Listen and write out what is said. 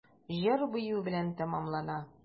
Җыр-бию белән тәмамлана.